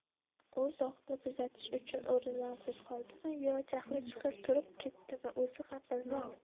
u zohidni kuzatish uchun o'rnidan qo'zg'aldimi yo jahli chiqib turib ketdimi o'zi ham bilmadi